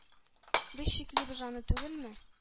Без чиклибез аны түгелме?!